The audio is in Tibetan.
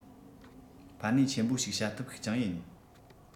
ཕན ནུས ཆེན པོ ཞིག བྱ ཐབས ཤིག ཀྱང ཡིན